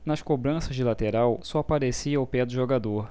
nas cobranças de lateral só aparecia o pé do jogador